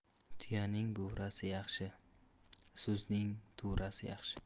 tuyaning buvrasi yaxshi so'zning tuvrasi yaxshi